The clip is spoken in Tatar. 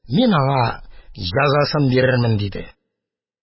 Мин аңа җәзасын бирермен! – диде.